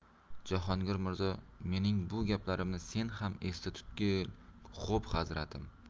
jahongir mirzo mening bu gaplarimni sen ham esda tutgil xo'p hazratim